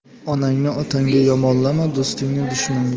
onangni otangga yomonlama do'stingni dushmanga